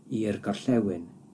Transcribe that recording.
i'r gorllewin